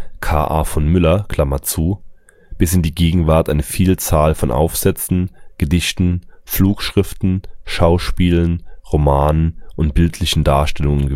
K. A. von Müller) bis in die Gegenwart eine Vielzahl von Aufsätzen, Gedichten, Flugschriften, Schauspielen, Romanen und bildlichen Darstellungen